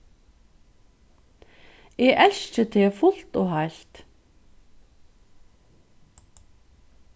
eg elski teg fult og heilt